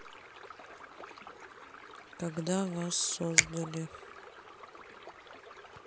когда вас создали